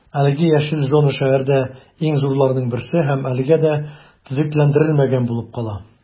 Әлеге яшел зона шәһәрдә иң зурларының берсе һәм әлегә дә төзекләндерелмәгән булып кала.